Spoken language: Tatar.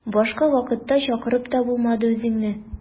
Башка вакытта чакырып та булмады үзеңне.